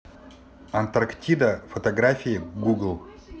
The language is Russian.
антарктида фотографии гугл